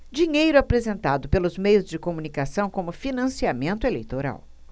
dinheiro apresentado pelos meios de comunicação como financiamento eleitoral